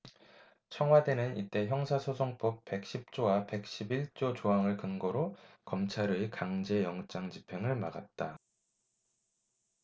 청와대는 이때 형사소송법 백 십 조와 백 십 일 조 조항을 근거로 검찰의 강제 영장집행을 막았다